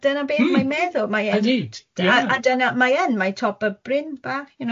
Dyna beth... Mm... mae'n meddwl, mae e.. Ydi, t- ia...a a dyna mae yn. Mae top o bryn bach, you know?